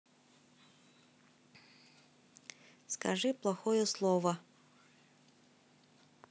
скажи плохое слово